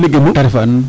Ta ref a an ?